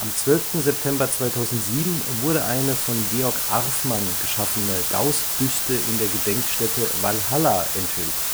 12. September 2007 wurde eine von Georg Arfmann geschaffene Gauß-Büste in der Gedenkstätte Walhalla enthüllt